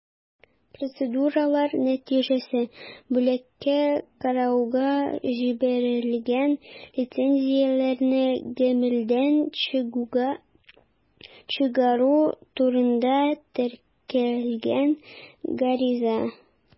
Процедуралар нәтиҗәсе: бүлеккә карауга җибәрелгән лицензияләрне гамәлдән чыгару турында теркәлгән гариза.